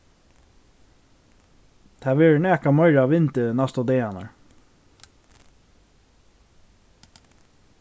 tað verður nakað meira av vindi næstu dagarnar